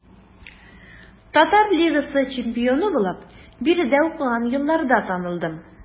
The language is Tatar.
Татар лигасы чемпионы булып биредә укыган елларда танылдым.